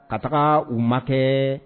Ka taga u ma kɛ